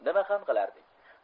nima ham qilardik